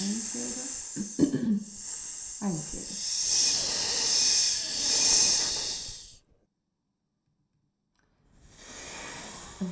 einogfjøruti einogfjøruti